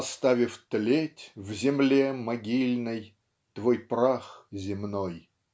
Оставив тлеть в земле могильной Твой прах земной.